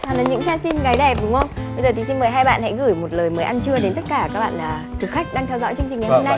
toàn là những trai xinh gái đẹp đúng không bây giờ thì xin mời hai bạn hãy gửi một lời mời ăn trưa đến tất cả các bạn thực khách đang theo dõi chương trình ngày hôm nay